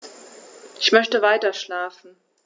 Ich möchte weiterschlafen.